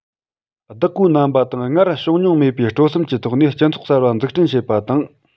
བདག པོའི རྣམ པ དང སྔར བྱུང མྱོང མེད པའི སྤྲོ སེམས ཀྱི ཐོག ནས སྤྱི ཚོགས གསར པ འཛུགས སྐྲུན བྱེད པ དང